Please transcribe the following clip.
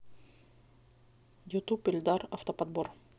ютуб ильдар автоподбор